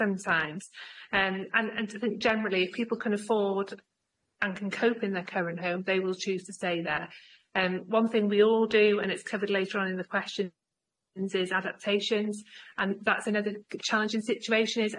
sometimes and and and to think generally if people can afford and can cope in their current home they will choose to stay there and one thing we all do and it's covered later on in the question adaptations and that's another challenging situation is